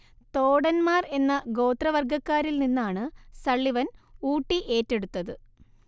തോടൻമാർ എന്ന ഗോത്രവർഗക്കാരിൽ നിന്നാണ് സള്ളിവൻ ഊട്ടി ഏറ്റെടുത്തത്